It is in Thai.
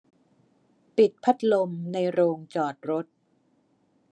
ปิดพัดลมในโรงจอดรถ